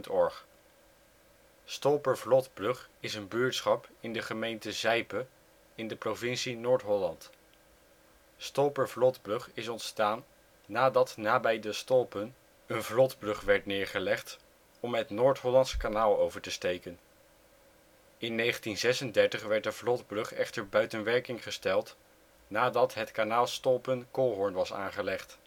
OL Stolpervlotbrug is een buurtschap in de gemeente Zijpe, in de provincie Noord-Holland. Stolpervlotbrug is ontstaan nadat nabij De Stolpen een vlotbrug werd neergelegd om het Noordhollandsch Kanaal over te steken. In 1936 werd de vlotbrug echter buitenwerking gesteld, nadat het Kanaal Stolpen-Kolhorn was aangelegd